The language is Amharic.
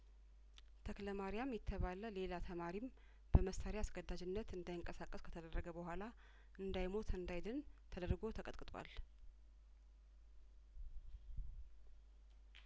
ተክለማርያም የተባለ ሌላ ተማሪም በመሳሪያ አስገዳጅነት እንዳይንቀሳቀስ ከተደረገ በኋላ እንዳይሞት እንዳይድን ተደርጐ ተቀጥቅቷል